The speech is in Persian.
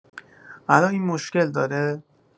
الان این مشکل داره؟